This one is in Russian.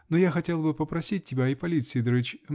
Но я хотела было попросить тебя, Ипполит Сидорыч.